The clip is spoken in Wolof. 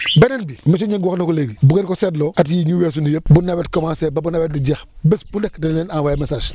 beneen bi monsieur Ngingue wax na ko léegi bu ngeen ko seetloo at yii ñu weesu nii yëpp ba nawet commencé ba ba nawet di jeex bés bu nekk danañ leen envoyé message